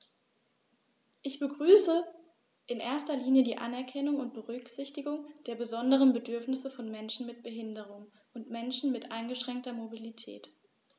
Ich begrüße in erster Linie die Anerkennung und Berücksichtigung der besonderen Bedürfnisse von Menschen mit Behinderung und Menschen mit eingeschränkter Mobilität.